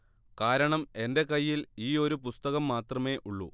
കാരണം എന്റെ കയ്യിൽ ഈ ഒരു പുസ്തകം മാത്രമേ ഉള്ളൂ